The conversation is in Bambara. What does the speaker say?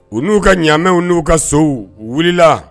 U n'u ka ɲamɛw n'u ka sow wulila